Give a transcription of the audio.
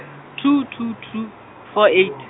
two two two, four eight.